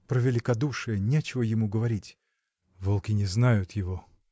Про великодушие нечего ему говорить: волки не знают его!.